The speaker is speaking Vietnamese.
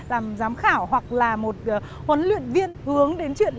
làm giám khảo hoặc là một huấn luyện viên hướng đến chuyện